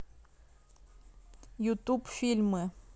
ютуб фильмы